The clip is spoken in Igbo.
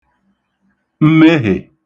mmehè